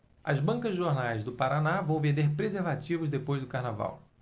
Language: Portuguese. as bancas de jornais do paraná vão vender preservativos depois do carnaval